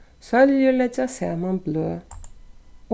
sóljur leggja saman bløð